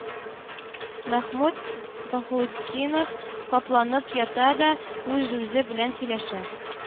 Мәхмүт Баһаутдинов капланып ята да, үз-үзе белән сөйләшә: